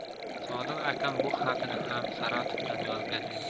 sodiq akam bu xatini ham saratovdan yozgan edi